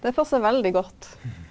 det passer veldig godt.